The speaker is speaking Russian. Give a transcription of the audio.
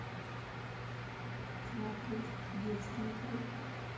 смотреть детские клипы